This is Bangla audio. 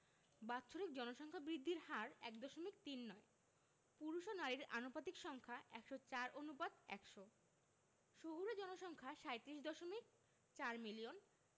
বাৎসরিক জনসংখ্যা বৃদ্ধির হার ১দশমিক তিন নয় পুরুষ ও নারীর আনুপাতিক সংখ্যা ১০৪ অনুপাত ১০০ শহুরে জনসংখ্যা ৩৭দশমিক ৪ মিলিয়ন